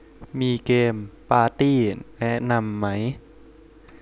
มีเกมปาตี้แนะนำไหม